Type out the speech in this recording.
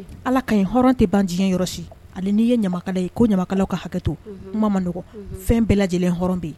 Ala ka ɲi hɔrɔn tɛ banc yɔrɔsi ani n'i ye ɲamakala ye ko ɲamakala ka hakɛ to kuma man dɔgɔ fɛn bɛɛ lajɛlen hɔrɔn bɛ yen